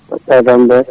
mbaɗɗa e tampere